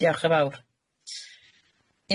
Diolch yn fawr.